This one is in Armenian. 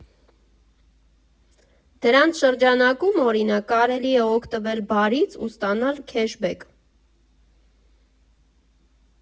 Դրանց շրջանակում, օրինակ, կարելի էր օգտվել բարից ու ստանալ քեշբեք։